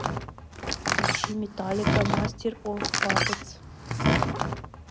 включи металлика мастер оф паппетс